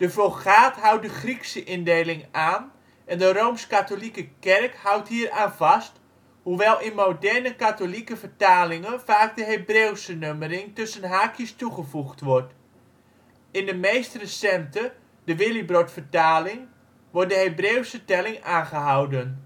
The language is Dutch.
Vulgaat houdt de Griekse indeling aan en de Rooms-katholieke Kerk houdt hier aan vast, hoewel in moderne katholieke vertalingen vaak de Hebreeuwse nummering tussen haakjes toegevoegd wordt; in de meest recente, de Willibrordvertaling, wordt de Hebreeuwse telling aangehouden